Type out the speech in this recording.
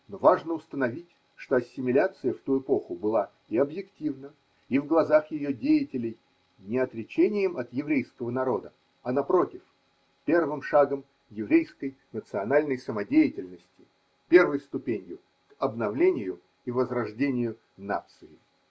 но важно установить, что ассимиляция в ту эпоху была и объективно, и в глазах ее деятелей не отречением от еврейского народа, а напротив – первым шагом еврейской национальной самодеятельности, первой ступенью к обновлению и возрождению нации.